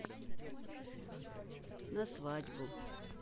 на свадьбу